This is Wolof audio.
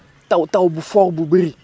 taw taw bu fort bu bëri